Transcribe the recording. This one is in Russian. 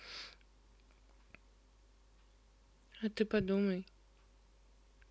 а ты подумай